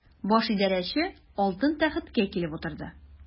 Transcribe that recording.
Баш идарәче алтын тәхеткә килеп утырды.